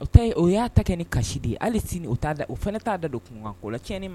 O ta o y'a ta kɛ ni kasi de ye hali sini o t' da o fana ne t'a da don kunkankɔ lacɲɛn ma